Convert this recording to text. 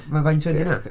Mae faint oed 'di rheina?